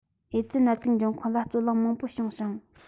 ཨེ ཙི ནད དུག འབྱུང ཁུངས ལ རྩོད གླེང མང པོ བྱུང ཞིང